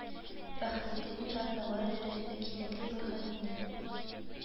Фәхреддин мирасы гаять дәрәҗәдә кирәкле бай хәзинә